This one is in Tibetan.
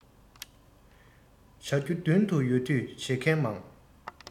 བྱ རྒྱུ མདུན དུ ཡོད དུས བྱེད མཁན མང